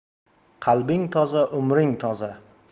qalbing toza umring toza